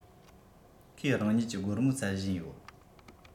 ཁོས རང ཉིད ཀྱི སྒོར མོ བཙལ བཞིན ཡོད